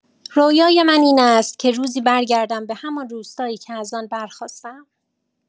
رویای من این است که روزی برگردم به همان روستایی که از آن برخاسته‌ام.